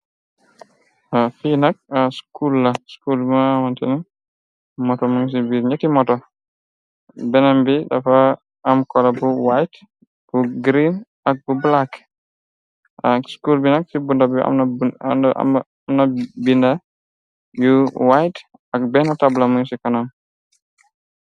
Finkuschu moto muñ ci biir njekki moto bennm bi dafa am kora bu white bu greene ak bu blackschuol binak ci bunda bu amna binda yu white ak benn tabla muñ ci kanam.